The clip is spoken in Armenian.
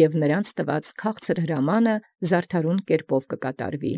և նոցա քաղցրատուր հրաման հատուցեալ զարդարեսցի։